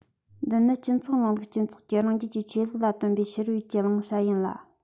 འདི ནི སྤྱི ཚོགས རིང ལུགས སྤྱི ཚོགས ཀྱིས རང རྒྱལ གྱི ཆོས ལུགས ལ བཏོན པའི ཕྱི རོལ ཡུལ གྱི བླང བྱ ཡིན ལ